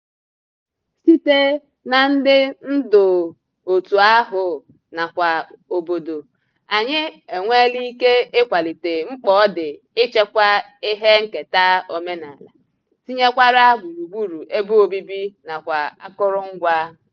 Site na ndị ndu òtù ahụ nakwa obodo, anyị enweela ike ịkwalite mkpa ọ dị ichekwa ihe nketa omenala, tinyekwara gburugburu ebe obibi nakwa akụrụngwa.